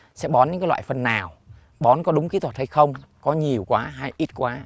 sẽ bón những cái loại phân nào bón đúng kỹ thuật hay không có nhiều quá hay ít quá